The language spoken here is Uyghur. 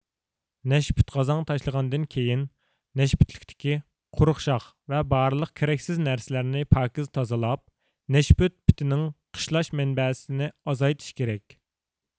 نەشپۈت غازاڭ تاشلىغاندىن كېيىن نەشپۈتلۈكتىكى قۇرۇق شاخ ۋە بارلىق كېرەكسىز نەرسىلەرنى پاكىز تازىلاپ نەشپۈت پىتىنىڭ قىشلاش مەنبەسىنى ئازايتىش كېرەك